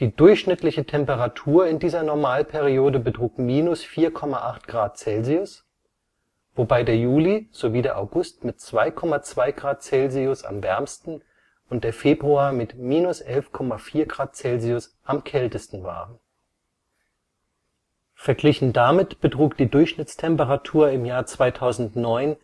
durchschnittliche Temperatur in dieser Normalperiode betrug −4,8 Grad Celsius, wobei der Juli sowie der August mit 2,2 °C am wärmsten und der Februar mit −11,4 °C am kältesten waren. Verglichen damit betrug die Durchschnittstemperatur im Jahr 2009